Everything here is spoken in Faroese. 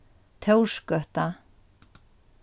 tórsgøta